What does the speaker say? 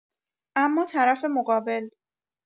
اما طرف مقابل